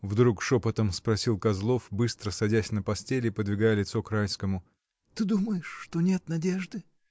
— вдруг шепотом спросил Козлов, быстро садясь на постели и подвигая лицо к Райскому, — ты думаешь, что нет надежды?.